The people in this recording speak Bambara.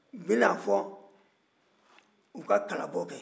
u bɛn'a fɔ u ka kalabɔ kɛ